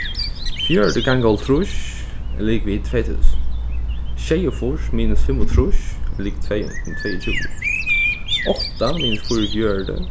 fjøruti ganga hálvtrýss er ligvið tvey túsund sjeyogfýrs minus fimmogtrýss er ligvið tveyogtjúgu átta minus fýraogfjøruti